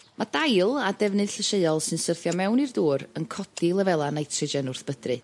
Ma' dail a defnydd llyseuol sy'n syrthio mewn i'r dŵr yn codi lefela nitrogen wrth bydru.